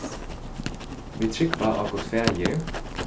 vit trúgva á gud faðir